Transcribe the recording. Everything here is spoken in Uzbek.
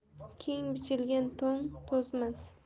keng bichilgan to'n to'zmas